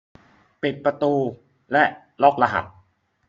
ปิดประตูและล็อกรหัส